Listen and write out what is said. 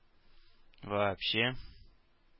Вообще